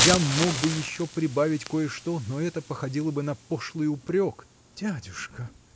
Я мог бы еще прибавить кое-что, но это походило бы на пошлый упрек. – Дядюшка!.